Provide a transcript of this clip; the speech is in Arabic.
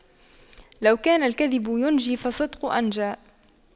لو كان الكذب ينجي فالصدق أنجى